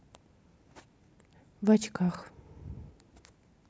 в очках